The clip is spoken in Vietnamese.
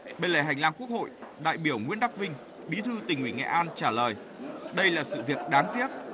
bên lề hành lang quốc hội đại biểu nguyễn đắc vinh bí thư tỉnh ủy nghệ an trả lời đây là sự việc đáng tiếc